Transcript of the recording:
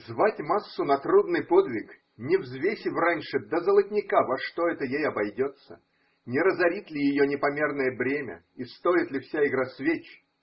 Звать массу на трудный подвиг, не взвесив раньше до золотника, во что это ей обойдется, не разорит ли ее непомерное бремя и стоит ли вся игра свеч.